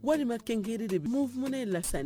Walima kɛnge de bɛ fana ye lasa ye